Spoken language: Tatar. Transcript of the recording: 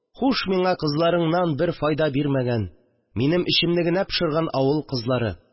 Хуш, миңа кызларыңнан бер файда бирмәгән, минем эчемне генә пошырган авыл кызлары!